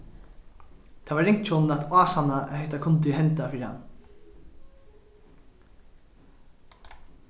tað var ringt hjá honum at ásanna at hetta kundi henda fyri hann